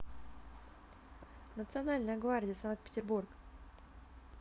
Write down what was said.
национальная гвардия санкт петербург